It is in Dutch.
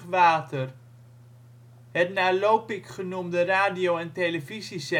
water). Het naar Lopik genoemde radio - en televisiezendstation staat sinds een